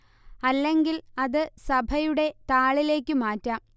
അല്ലെങ്കിൽ അത് സഭയുടെ താളിലേക്ക് മാറ്റാം